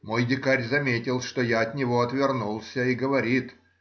Мой дикарь заметил, что я от него отвернулся, и говорит